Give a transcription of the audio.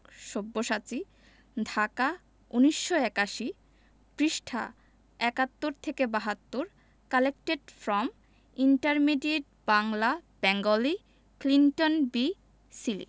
সব্যসাচী ঢাকা১৯৮১ পৃঃ ৭১ থেকে ৭২ Collected from Intermediate Bangla Bengali Clinton B Seely